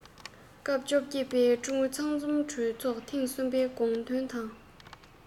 ཏང གི ཚོགས ཆེན བཅོ བརྒྱད པ དང